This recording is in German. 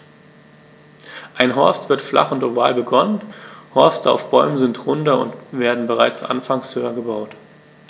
Ein Horst wird flach und oval begonnen, Horste auf Bäumen sind runder und werden bereits anfangs höher gebaut.